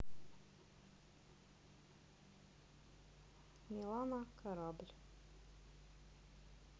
милана корабль